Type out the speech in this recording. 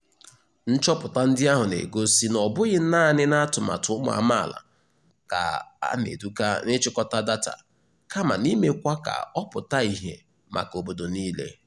Nchọpụta ndị ahụ na-egosị na ọ bụghị naanị n'atụmatụ ụmụ amaala ka a na-eduga n'ịchịkọta data kama n'imekwa ka ọ pụta ìhè maka obodo niile.